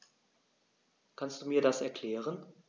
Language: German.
Kannst du mir das erklären?